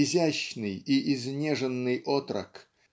Изящный и изнеженный отрок